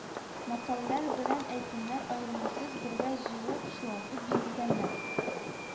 Мәкальләр белән әйтемнәр аермасыз бергә җыелып, чуалтып бирелгәннәр